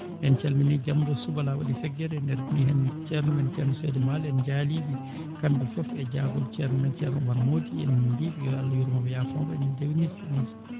en calminii Diambo Subalaw jaggeede e ndeer diine meeɗen ceerno men ceerno Saydou Maal en njaaliɓe kamɓe fof e jaagol ceerno men ceerno Oumar Mohdy en mbiyii ɓe yo Allah yurmoo mo yaafoo mo eɗen ndewni heen